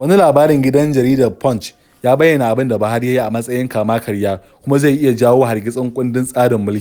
Wani labarin gidan jaridar Punch ya bayyana abin da Buhari ya yi a matsayin kama-karya kuma zai iya jawo hargitsin kundin tsarin mulki: